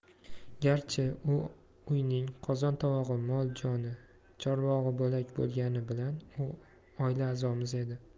garchi u uyning qozon tovog'i mol joni chorbog'i bo'lak bo'lgani bilan u oila a'zomiz edi